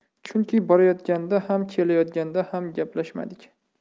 chunki borayotganda ham kelayotganda ham gaplashmadik